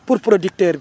pour producteur bi